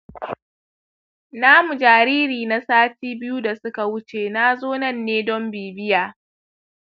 namu jariri na sati biyu da suka wuce nazo nanne don bibiya